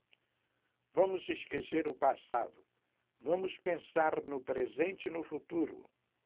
vamos esquecer o passado vamos pensar no presente e no futuro